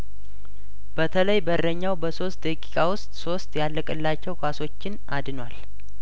በተለይ በረኛው በሶስት ደቂቃ ውስጥ ሶስት ያለቀላቸው ኳሶችን አድኗል